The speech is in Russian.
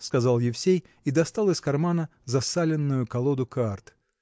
– сказал Евсей и достал из кармана засаленную колоду карт.